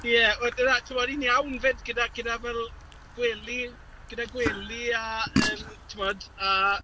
Ie, w- dyna... timod, un iawn 'fyd, gyda gyda fel gwely gyda gwely a timod a...